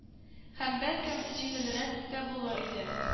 Һәм бәлкем җиңелрәк тә булыр иде